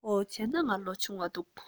འོ བྱས ན ང ལོ ཆུང བ འདུག